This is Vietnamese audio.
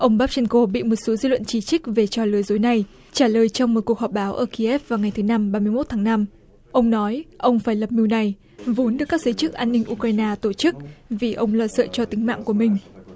ông páp tren cô bị một số dư luận chỉ trích về trò lừa dối này trả lời trong một cuộc họp báo ở ki ép vào ngày thứ năm ba mươi mốt tháng năm ông nói ông phải lập mưu đẩy vốn được các giới chức an ninh u cờ rai na tổ chức vì ông lo sợ cho tính mạng của mình